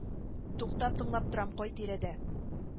Туктап тыңлап торам кай тирәдә